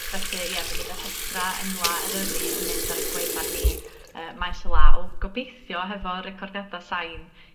felly ia mi fydda'r rhestra' enwa' Eryri yn mynd ar 'yn gwefan ni yy maes o law gobeithio hefo recordiada sain